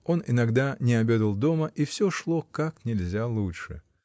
он иногда не обедал дома, и всё шло как нельзя лучше.